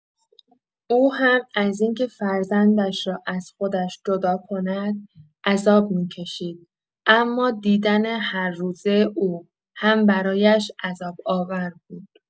او هم از این‌که فرزندش را از خودش جدا کند، عذاب می‌کشید، اما دیدن هرروزه او هم برایش عذاب‌آور بود.